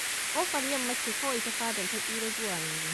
ƙofar yamma ce kawai ta fadar ta tsira zuwa yanzu.